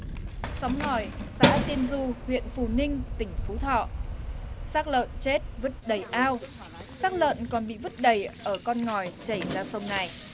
xóm ngòi xã tiên du huyện phù ninh tỉnh phú thọ xác lợn chết vứt đầy ao xác lợn còn bị vứt đầy ở con ngòi chảy ra sông này